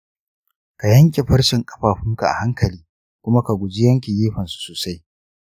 ka yanke farcen ƙafafunka a hankali kuma ka guji yanke gefen su sosai.